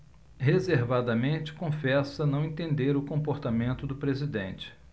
reservadamente confessa não entender o comportamento do presidente